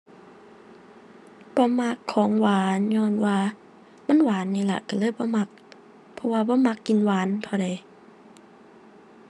บ่มักของหวานญ้อนว่ามันหวานนี่ล่ะ ก็เลยบ่มัก เพราะว่าบ่มักกินหวานเท่าใด